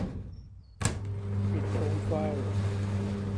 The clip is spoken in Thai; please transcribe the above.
ปิดโคมไฟ